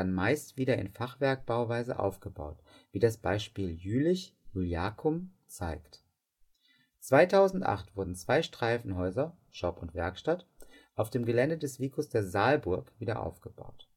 meist dann wieder in Fachwerkbauweise aufgebaut, wie das Beispiel Jülich (Iuliacum) zeigt. 2008 wurden 2 Streifenhäuser (Shop und Werkstatt) auf dem Geländes des Vicus der Saalburg aufgebaut